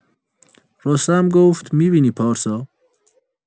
رستم گفت: «می‌بینی پارسا؟»